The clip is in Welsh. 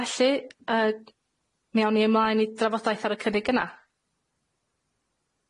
Felly yy mi awn ni ymlaen i drafodaeth ar y cynnig yna.